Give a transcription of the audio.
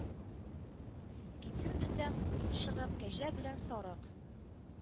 Китсен бездән чыгып Кәҗә белән Сарык,